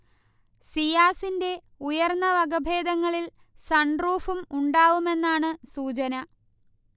സിയാസിന്റെ ഉയർന്ന വകഭേദങ്ങളിൽ സൺറൂഫും ഉണ്ടാവുമെന്നാണ് സൂചന